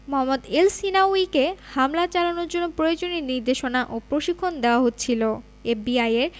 মোহাম্মদ এলসহিনাউয়িকে হামলা চালানোর জন্য প্রয়োজনীয় নির্দেশনা ও প্রশিক্ষণ দেওয়া হচ্ছিল এফবিআইয়ের